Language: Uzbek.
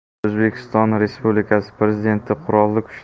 o'zbekiston respublikasi prezidenti qurolli